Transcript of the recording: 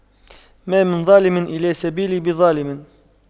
ما من ظالم إلا سيبلى بظالم